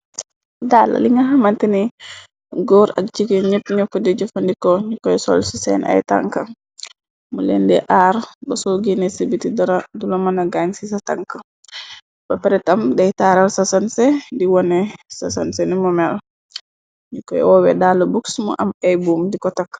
Dall li nga xamante ni góor ak jige ñepp ño ko di jëfandiko, ñi koy soll ci seen ay tank, muleen di aar ba sow ginne ci biti dula mëna gaañ ci sa tank, ba paritam dey taaral sa san se, di wone sa san se ni mo mel, ñikoy woowe dallu buks, mu am ay buum di ko tak.